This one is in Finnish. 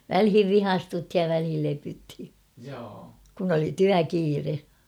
väliin vihastuttiin ja väliin lepyttiin kun oli työkiire